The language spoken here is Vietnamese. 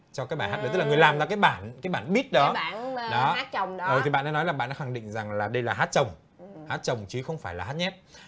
cho cái bài hát đấy tức là người làm ra cái bản bản bít đó đí thì bạn ấy nói là bạn ấy khẳng định rằng là đây là hát chồng hát chồng chứ không phải là hát nhép